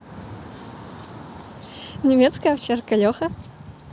немецкая овчарка леха